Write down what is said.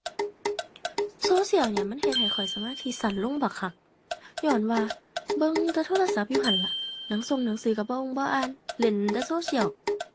โซเชียลเนี่ยมันเฮ็ดให้ข้อยสมาธิสั้นลงบักคัก ญ้อนว่าเบิ่งแต่โทรศัพท์อยู่หั้นล่ะ หนังสงหนังสือก็บ่องบ่อ่าน เล่นแต่โซเชียล